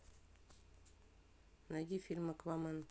найди фильм аквамен